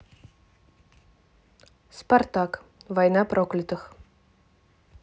спартак война проклятых